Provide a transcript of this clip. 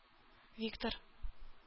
Виктор